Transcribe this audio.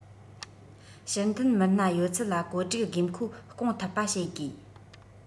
ཕྱིར འཐེན མི སྣ ཡོད ཚད ལ བཀོད སྒྲིག དགོས མཁོ སྐོང ཐུབ པ བྱེད དགོས